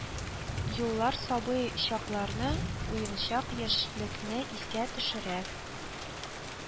Юллар сабый чакларны, уенчак яшьлекне искә төшерә